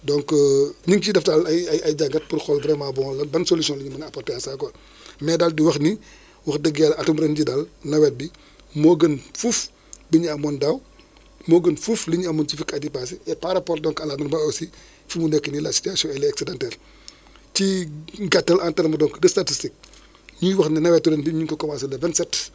donc ñu ngi ciy def daal ay ay ay jàngat pour xool vraiment bon yan ban solution la ñu mun a apporter à ça quoi mais daal di wax ni wax dëgg yàlla daal atum ren jii nawet bi moo gën fuuf bi ñu amoon daaw moo gën fuuf li ñu amoon ci fukki at yii paase et par rapport donc à la normale aussi fi mu nekk nii la situation elle est excedentaire ci gàttal en terme donc de statistique ñuy wax ne nawetu ren bi ñu ngi ko commencé le 27